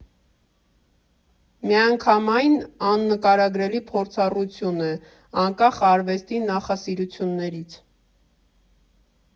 Միանգամայն աննկարագրելի փորձառություն է՝ անկախ արվեստի նախասիրություններից։